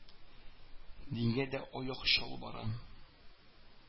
Дингә дә аяк чалу бара